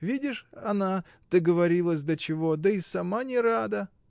видишь, она договорилась до чего, да и сама не рада!